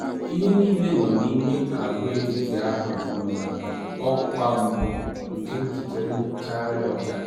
ihe niile nọ n'ime agwaetiti ahụ nọ na, Ọkwa Mbụ nke njikere nchaghari ọcha.